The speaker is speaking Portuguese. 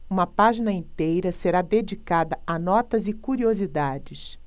uma página inteira será dedicada a notas e curiosidades